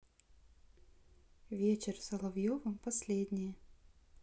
вечер с соловьевым последнее